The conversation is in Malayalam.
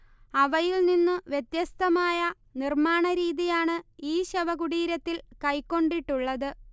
അവയിൽനിന്നു വ്യത്യസ്തമായ നിർമ്മാണരീതിയാണ് ഈ ശവകുടീരത്തിൽ കൈക്കൊണ്ടിട്ടുള്ളത്